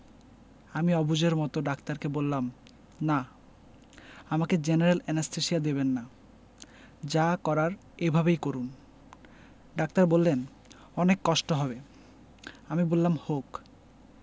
আমি অবুঝের মতো ডাক্তারকে বললাম না আমাকে জেনারেল অ্যানেসথেসিয়া দেবেন না যা করার এভাবেই করুন ডাক্তার বললেন অনেক কষ্ট হবে আমি বললাম হোক